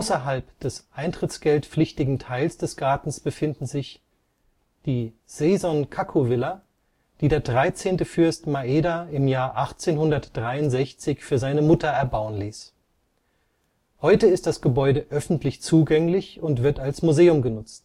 Außerhalb des Eintrittsgeld-pflichtigen Teils des Gartens befinden sich: die Seisonkaku-Villa, die der 13. Fürst Maeda 1863 für seine Mutter erbauen ließ. Heute ist das Gebäude öffentlich zugänglich und wird als Museum genutzt